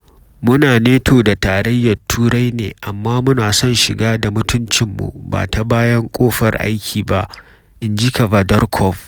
“Mu na NATO da Tarayyar Turai ne, amma muna son shiga da mutuncimu, ba ta bayan ƙofar aiki ba,” inji Kavadarkov.